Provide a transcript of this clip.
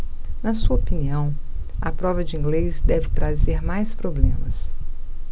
na sua opinião a prova de inglês deve trazer mais problemas